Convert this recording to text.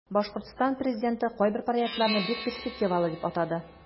Башкортстан президенты кайбер проектларны бик перспективалы дип атады.